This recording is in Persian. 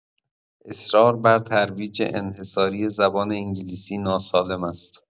اصرار بر ترویج انحصاری زبان انگلیسی ناسالم است.